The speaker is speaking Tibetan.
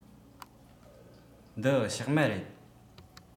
འདི ཕྱགས མ རེད